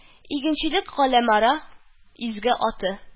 Игенчелек галәмара изге аты